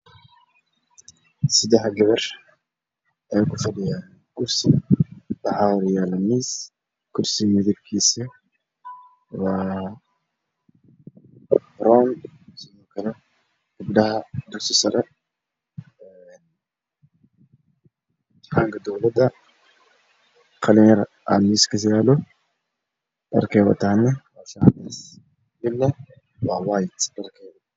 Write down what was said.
Sidex gabar ay ku fadhiyaan gursi waxa hor yalo miis kursiga midibkisa waa baroom gabdha dugsi sare imtixanka dawalada qalin yar aa miiskas yaalo dharkeey watane waa dhah cadees midne waa wayat